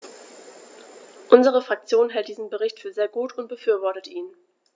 Unsere Fraktion hält diesen Bericht für sehr gut und befürwortet ihn.